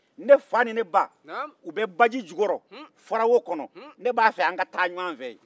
ne fa ni ne ba u bɛ baji jukɔrɔ farawo kɔnɔ ne b'a fɛ an ka ta ɲɔgɔn fɛ yen